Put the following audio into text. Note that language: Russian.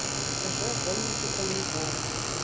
расскажи о комнате калинкова